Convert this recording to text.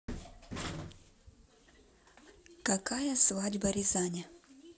какая свадьба рязани